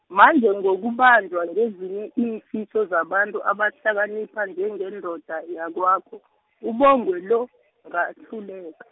manje ngokubanjwa ngezinye iimfiso zabantu abahlakanipha njengendoda yakwakho , uBongwe lo , ngahluleka.